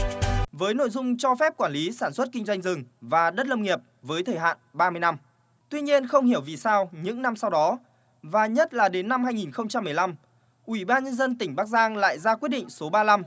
với nội dung cho phép quản lý sản xuất kinh doanh rừng và đất lâm nghiệp với thời hạn ba mươi năm tuy nhiên không hiểu vì sao những năm sau đó và nhất là đến năm hai nghìn không trăm mười lăm ủy ban nhân dân tỉnh bắc giang lại ra quyết định số ba lăm